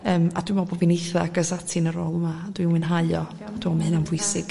yym a dwi me'l bo' fi'n eitha agos ati yn y rôl yma a dwi'n mwynhau o dwi'n me'l ma' hynna'n bwysig